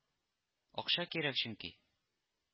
Акча кирәк чөнки